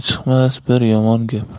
chiqmas bir yomon gap